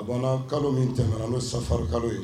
A banna kalo min tɛmɛna n'o safa kalo ye